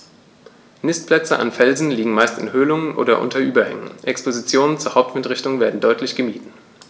Nistplätze an Felsen liegen meist in Höhlungen oder unter Überhängen, Expositionen zur Hauptwindrichtung werden deutlich gemieden.